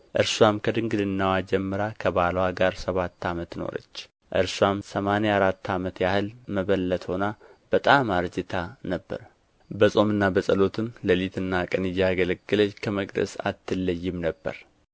እርስዋም ከድንግልናዋ ጀምራ ከባልዋ ጋር ሰባት ዓመት ኖረች እርስዋም ሰማኒያ አራት ዓመት ያህል መበለት ሆና በጣም አርጅታ ነበር በጾምና በጸሎትም ሌሊትና ቀን እያገለገለች ከመቅደስ አትለይም ነበር